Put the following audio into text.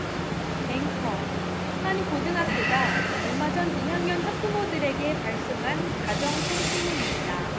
앵커 한 고등학교가 얼마 전 이 학년 학부모들에게 발송한 가정통신문입니다